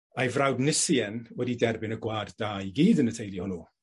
A'i frawd Nisien wedi derbyn y gwa'd da i gyd yn y teulu hwnnw.